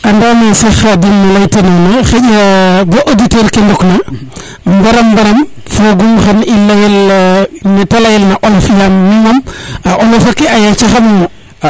anda me sax Kadim ne ley ta nona xaƴa bo auditeur ke ndok na mbaram mbaram fogum xa i leyan nete leyel na olof yaam mi moom a olofa ke a yaca xamo mo